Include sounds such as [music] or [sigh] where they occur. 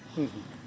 [hesitation] [hesitation]